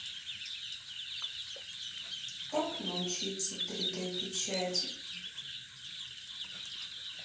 как научиться три д печати